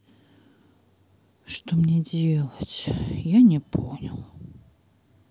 что мне делать я не поняла